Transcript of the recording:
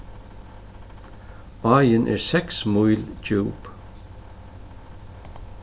áin er seks míl djúp